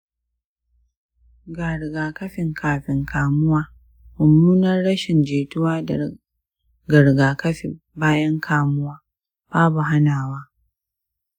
ga rigakafin kafin kamuwa: mummunar rashin jituwa. ga rigakafin bayan kamuwa: babu hanawa.